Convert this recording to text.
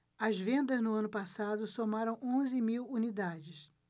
as vendas no ano passado somaram onze mil unidades